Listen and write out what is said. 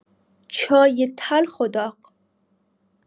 چای تلخ و داغ